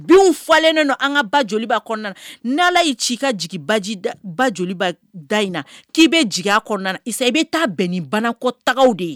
Binw falennen don an ka ba joli kɔnɔna la. Ni Ala yi ci i ka jigin baji ba joli da in na ki bɛ jigin a kɔnɔna la, Isa bɛ taa bɛn ni banakɔtagaw de ye.